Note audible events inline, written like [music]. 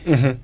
[hesitation] [hesitation]